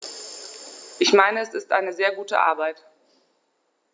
Ich meine, es ist eine sehr gute Arbeit.